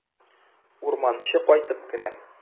Урманчы кайтып керә.